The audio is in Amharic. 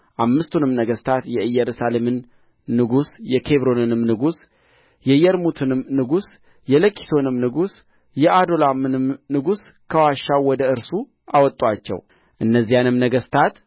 አምስቱንም ነገሥታት የኢየሩሳሌምን ንጉሥ የኬብሮንንም ንጉሥ የየርሙትንም ንጉሥ የለኪሶንም ንጉሥ የኦዶላምንም ንጉሥ ከዋሻው ወደ እርሱ አወጡአቸው እነዚያንም ነገሥታት